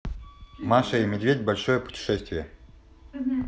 маша и медведь большое путешествие